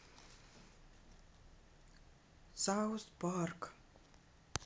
саус парк